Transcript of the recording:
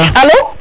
alo